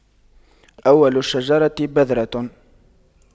أول الشجرة بذرة